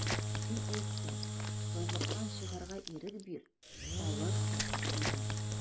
Син әйттең, сазлыктан чыгарга ирек бир, алырсың, дидең.